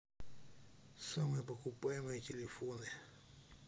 самые покупаемые телефоны